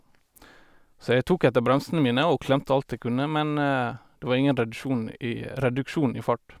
Så jeg tok etter bremsene mine og klemte alt jeg kunne, men det var ingen redusjon i reduksjon i fart.